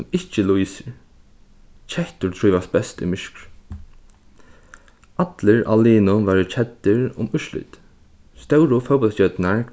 sum ikki lýsir kettur trívast best í myrkri allir á liðnum vóru keddir um úrslitið stóru fótbóltsstjørnurnar